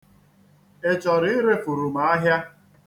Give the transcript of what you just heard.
Ị chọrọ irefuru m ahịa?